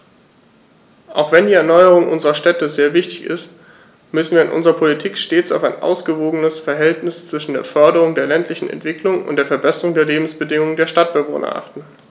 Auch wenn die Erneuerung unserer Städte sehr wichtig ist, müssen wir in unserer Politik stets auf ein ausgewogenes Verhältnis zwischen der Förderung der ländlichen Entwicklung und der Verbesserung der Lebensbedingungen der Stadtbewohner achten.